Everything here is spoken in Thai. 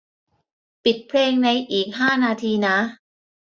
ปิดเพลงในอีกห้านาทีนะ